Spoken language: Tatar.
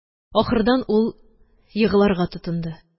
Ахырдан ул егларга тотынды